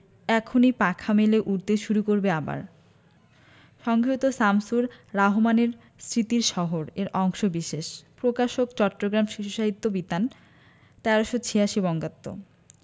এখনি পাখা মেলে উড়তে শুরু করবে আবার সংগিহীত শামসুর রাহমানের স্মৃতির শহর এর অংশবিশেষ প্রকাশকঃ চট্টগ্রাম শিশু সাহিত্য বিতান ১৩৮৬ বঙ্গাব্দ